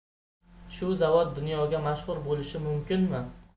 shu zavod dunyoga mashhur bo'lishi mumkinmi